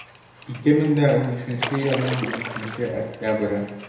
2015 елның 2 октябре